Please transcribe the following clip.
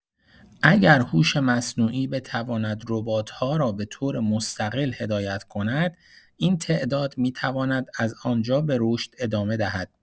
اگر هوش مصنوعی بتواند ربات‌ها را به‌طور مستقل هدایت کند، این تعداد می‌تواند از آنجا به رشد ادامه دهد.